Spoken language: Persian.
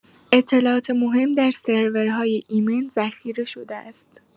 اطلاعات مهم در سرورهای ایمن ذخیره‌شده است.